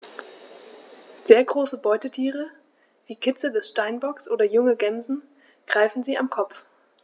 Sehr große Beutetiere wie Kitze des Steinbocks oder junge Gämsen greifen sie am Kopf.